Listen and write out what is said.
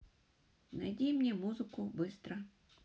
найди мне музыку быстро